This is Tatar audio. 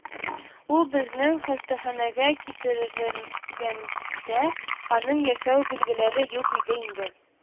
– ул безнең хастаханәгә китерелгәндә, аның яшәү билгеләре юк иде инде